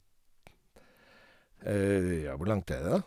Ja, hvor langt er det, da?